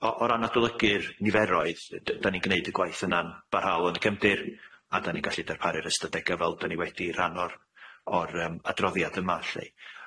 o- o ran adolygu'r niferoedd yy d- dan ni'n gneud y gwaith yna'n barhaol yn y cefndir a dan ni'n gallu darparu'r ystadega' fel dan ni wedi rhan o'r o'r yym adroddiad yma lly.